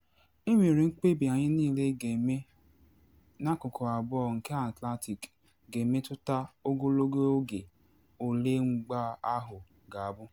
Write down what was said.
Enwere mkpebi anyị niile ga-eme n’akụkụ abụọ nke Atlantik ga-emetụta ogologo oge ole mgba ahụ ga-abụ.